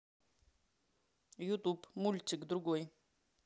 ютуб мультик другой